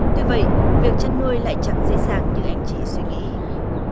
tuy vậy việc chăn nuôi lại chẳng dễ dàng như anh chị suy nghĩ